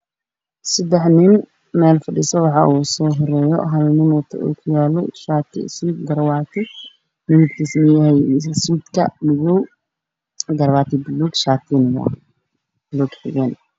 Sedax nin oo meel fadhiyo waxaa ugu soo horeyo hal nin oo ookiyalo qabo midab kiisu yahay madow